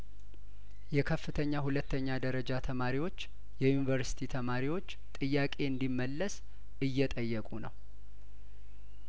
የከፍተኛ ሁለተኛ ደረጃ ተማሪዎች የዩኒቨርስቲ ተማሪዎች ጥያቄ እንዲ መለስ እየጠየቁ ነው